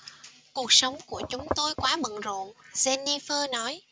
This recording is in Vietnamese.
cuộc sống của chúng tôi quá bận rộn jennifer nói